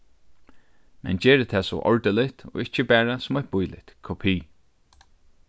men gerið tað so ordiligt og ikki bara sum eitt bíligt kopi